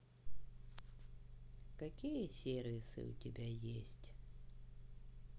какие сервисы у тебя есть